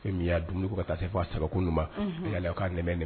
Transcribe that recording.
'a dumuni ka taa se fɔ a sababu ma' nɛmɛ